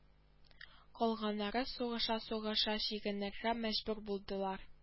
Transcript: Калганнары сугыша-сугыша чигенергә мәҗбүр булдылар